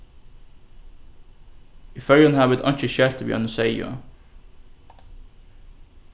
í føroyum hava vit einki skelti við einum seyði á